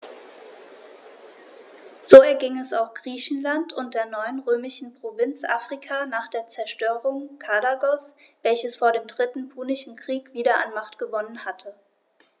So erging es auch Griechenland und der neuen römischen Provinz Afrika nach der Zerstörung Karthagos, welches vor dem Dritten Punischen Krieg wieder an Macht gewonnen hatte.